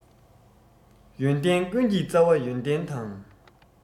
ཡོན ཏན ཀུན གྱི རྩ བ ཡོན ཏན དང